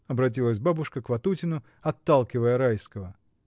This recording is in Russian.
— обратилась бабушка к Ватутину, отталкивая Райского.